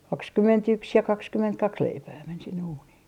kaksikymmentäyksi ja kaksikymmentäkaksi leipää meni sinne uuniin